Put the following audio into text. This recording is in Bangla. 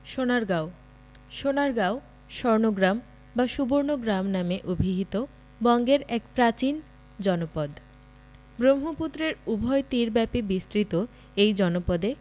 সোনারগাঁও সোনারগাঁও স্বর্ণগ্রাম বা সুবর্ণগ্রাম নামে অভিহিত বঙ্গের এক প্রাচীন জনপদ ব্রহ্মপুত্রের উভয় তীর ব্যাপী বিস্মৃত এই জনপদে